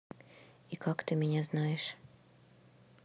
и как ты меня знаешь